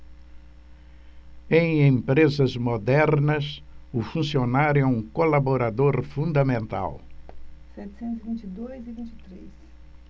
em empresas modernas o funcionário é um colaborador fundamental